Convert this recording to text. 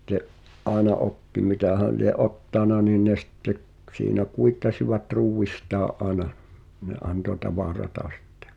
sitten aina otti mitähän lie ottanut niin ne sitten - siinä kuittasivat ruuistaan aina ne antoi tavaraa sitten